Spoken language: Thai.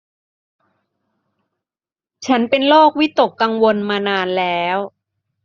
ฉันเป็นโรควิตกกังวลมานานแล้ว